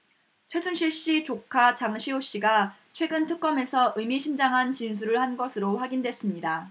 최순실 씨 조카 장시호 씨가 최근 특검에서 의미심장한 진술을 한 것으로 확인됐습니다